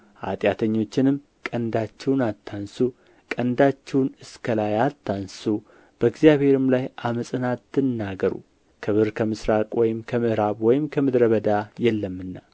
ኃጢአተኞችንም ቀንዳችሁን አታንሡ ቀንዳችሁን እስከ ላይ አታንሡ በእግዚአብሔርም ላይ ዓመፅን አትናገሩ ክብር ከምሥራቅ ወይም ከምዕራብ ወይም ከምድረ በዳ የለምና